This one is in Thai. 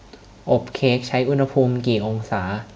อบเค้กใช้อุณหภูมิกี่องศา